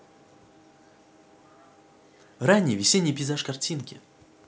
ранний весенний пейзаж картинки